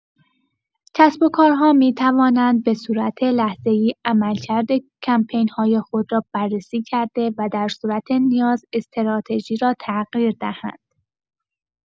کسب‌وکارها می‌توانند به‌صورت لحظه‌ای عملکرد کمپین‌های خود را بررسی کرده و در صورت نیاز، استراتژی را تغییر دهند.